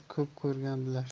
ko'p ko'rgan bilar